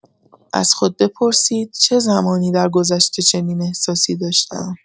از خود بپرسید، چه زمانی درگذشته چنین احساسی داشته‌ام؟